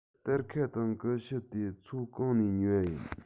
སྟར ཁ དང ཀུ ཤུ དེ ཚོ གང ནས ཉོས པ ཡིན